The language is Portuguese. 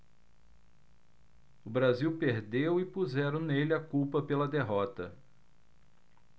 o brasil perdeu e puseram nele a culpa pela derrota